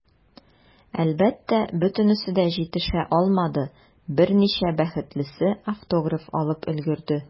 Әлбәттә, бөтенесе дә җитешә алмады, берничә бәхетлесе автограф алып өлгерде.